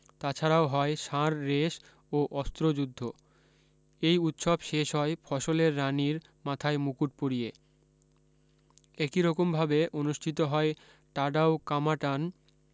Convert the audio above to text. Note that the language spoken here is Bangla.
তাছাড়াও হয় ষাঁড় রেশ ও অস্ত্র যুদ্ধ এই উৎসব শেষ হয় ফসলের রানির মাথায় মুকুট পরিয়ে একি রকমভাবে অনুষ্ঠিত হয় টাডাও কামাটান